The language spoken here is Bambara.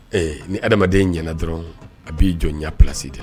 Ɛɛ ni adamadamaden ɲɛna dɔrɔn a b'i jɔnya plasi de